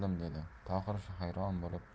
dedi tohir hayron bo'lib